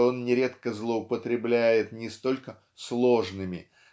что он нередко злоупотребляет не столько сложными